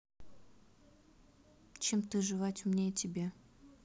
чем ты жевать умнее тебе